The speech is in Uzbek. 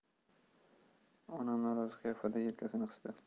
onam norozi qiyofada yelkasini qisdi